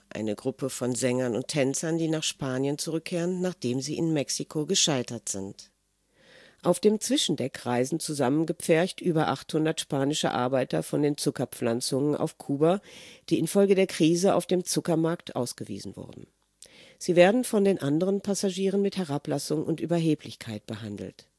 eine Gruppe von Sängern und Tänzern, die nach Spanien zurückkehren, nachdem sie in Mexiko gescheitert sind. Auf dem Zwischendeck reisen zusammengepfercht über achthundert spanische Arbeiter von den Zuckerpflanzungen auf Kuba, die infolge der Krise auf dem Zuckermarkt ausgewiesen wurden. Sie werden von den anderen Passagieren mit Herablassung und Überheblichkeit behandelt